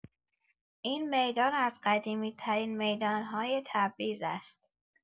این میدان از قدیمی‌ترین میدان‌های تبریز است.